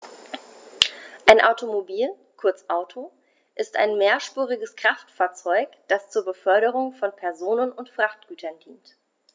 Ein Automobil, kurz Auto, ist ein mehrspuriges Kraftfahrzeug, das zur Beförderung von Personen und Frachtgütern dient.